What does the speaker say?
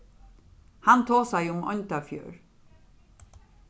hann tosaði um oyndarfjørð